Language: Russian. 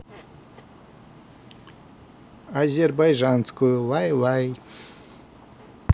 азербайджанскую лай лай